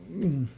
mm